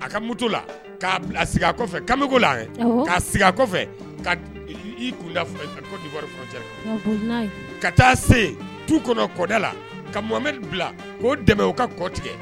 A ka moto la. Ka sigi a kɔfɛ kamiko la . Ka sigi. a kɔfɛ ki kunda cote d'ivoire frontière kan . Ka taa se tu kɔnɔ kɔda la ka Mɔmɛdi bila ko dɛmɛ u ka kɔ tigɛ.